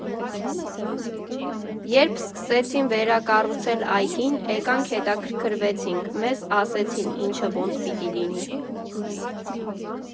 Երբ սկսեցին վերակառուցել այգին, էկանք հետաքրքրվեցինք, մեզ ասեցին ինչը ոնց պիտի լինի։